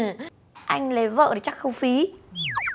anh lấy vợ thì chắc không phí